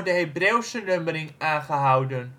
Hebreeuwse nummering aangehouden